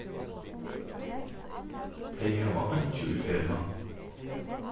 tey hava einki í felag